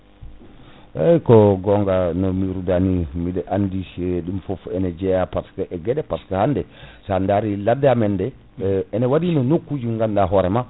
eyyi ko gongua no biruɗani biɗa andi ɗum foof ina jeeya par ce que e gueɗe par ce que hande sa a daari laade amen nde ina waɗi no nokkuji ganɗa hoorema